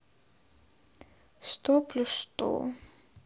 сто плюс сто